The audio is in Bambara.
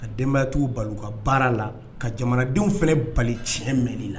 Ka denbayatigiw bilo u ka baara la . Ka jamanadenw fana bali tiɲɛ mɛnli la.